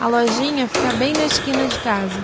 a lojinha fica bem na esquina de casa